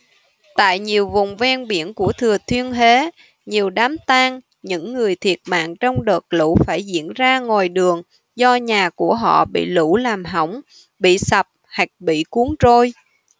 tại nhiều vùng ven biển của thừa thiên huế nhiều đám tang những người thiệt mạng trong đợt lũ phải diễn ra ngoài đường do nhà của họ bị lũ làm hỏng bị sập hoặc bị cuốn trôi